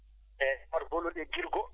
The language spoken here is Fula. eeyi oto bolluɗe e girgo